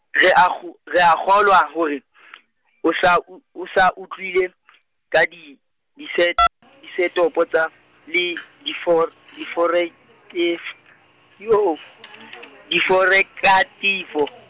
re a kgo-, re a kgolwa hore , o sa u-, o sa utlwile , ka di, dise-, disetopo tsa, le difor- diforei- -kef- , diforekathifo.